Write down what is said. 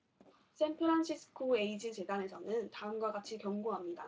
샌프란시스코 에이즈 재단에서는 다음과 같이 경고합니다